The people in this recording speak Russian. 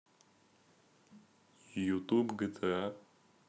ютуб гта